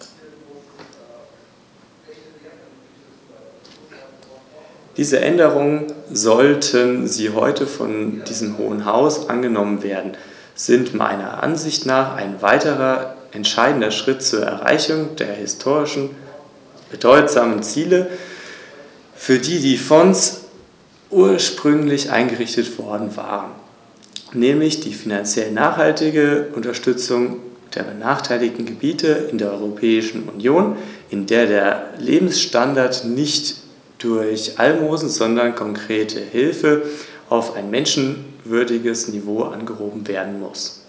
Darüber hinaus wird auf die Notwendigkeit einer verstärkten Transparenz hingewiesen.